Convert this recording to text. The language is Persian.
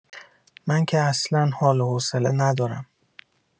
منکه اصلا حال و حوصله ندارم.